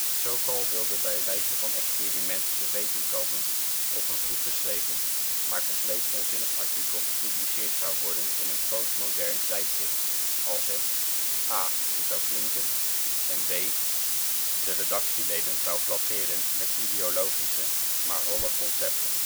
Sokal wilde bij wijze van experiment te weten komen of een goedgeschreven maar compleet onzinnig artikel gepubliceerd zou worden in een postmodern tijdschrift als het a) goed zou klinken en b) de redactieleden zou flatteren met ideologische maar holle concepten